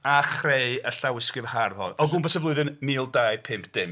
A chreu y llawysgrif hardd hon. O gwmpas y flwyddyn mil dau pump dim.